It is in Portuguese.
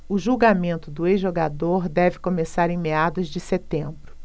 o julgamento do ex-jogador deve começar em meados de setembro